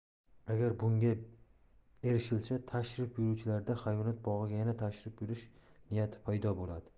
agar bunga erishilsa tashrif buyuruvchilarda hayvonot bog'iga yana tashrif buyurish niyati paydo bo'ladi